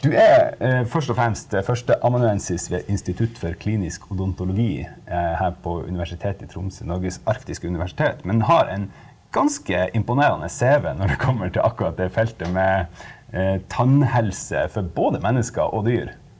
du er først og fremst førsteamanuensis ved Institutt for klinisk odontologi her på Universitetet i Tromsø Norges arktiske universitet, men har en ganske imponerende CV når det kommer til akkurat det feltet med tannhelse for både mennesker og dyr.